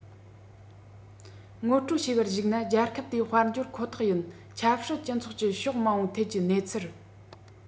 ངོ སྤྲོད བྱས པར གཞིགས ན རྒྱལ ཁབ དེའི དཔལ འབྱོར ཁོ ཐག ཡིན ཆབ སྲིད སྤྱི ཚོགས ཀྱི ཕྱོགས མང པོའི ཐད ཀྱི གནས ཚུལ